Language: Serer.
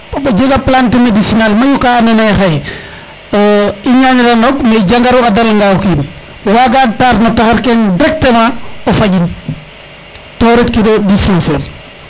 a jega plante medecinal mayu ka ando naye xaye i ñaniran a roog mais jangaru dala nga o kiin waga taar no taxar kene directement o faƴin toi retkiro dispensaire